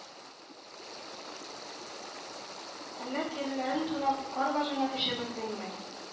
Әллә, тиреләрен тунап, кар базыңа төшереп элдеңме? Ә